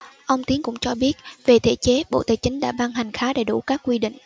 ông tiến cũng cho biết về thể chế bộ tài chính đã ban hành khá đầy đủ các quy định